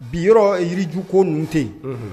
Bi yɔrɔ yiriju koun tɛ